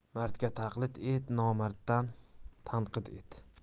mardga taqlid et nomardni tanqid et